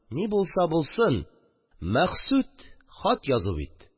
Ни булса булсын, максуд – хат язу бит